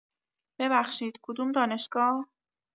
ببخشید کدوم دانشگاه؟